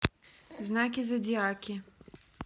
знаки зодиаки